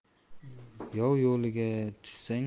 yov qo'liga tushsang